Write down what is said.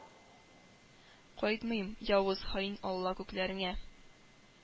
Кайтмыйм, явыз, хаин алла, күкләреңә!